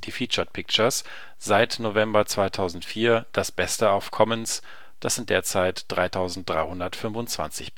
Featured pictures) seit November 2004 –„ das Beste auf Commons “, derzeit 3.325 Bilder